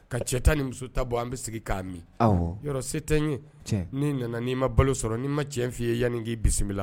Ka cɛ tan ni muso ta bɔ an bɛ sigi k'a min yɔrɔ se tɛ n ye ne nana'i ma balo sɔrɔ'i ma cɛ n'i ye yanani k'i bisimila